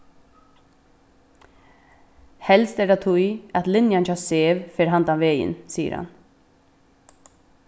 helst er tað tí at linjan hjá sev fer handan vegin sigur hann